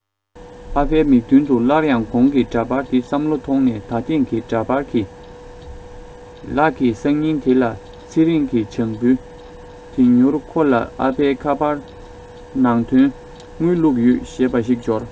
ཨ ཕའི མིག མདུན དུ སླར ཡང གོང གི འདྲ པར དེ བསམ བློ ཐོངས ནས ད ཐེངས ཀྱི འདྲ པར གྱི ལག གི སང ཉིན དེ ལ ཚེ རིང གི བྱང བུའི དེ མྱུར ཁོ ལ ཨ ཕའི ཁ པར ནང དོན དངུལ བླུག ཡོད ཞེས པ ཞིག འབྱོར